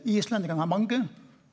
islendingane har mange.